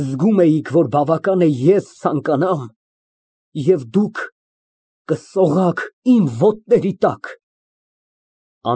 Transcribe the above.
Զգում էիք, որ բավական է ես ցանկանամ, և դուք կսողաք իմ ոտների տակ։